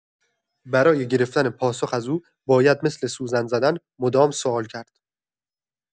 برای گرفتن پاسخ از او باید مثل سوزن زدن مدام سوال کرد.